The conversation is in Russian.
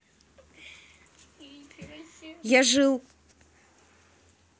я жил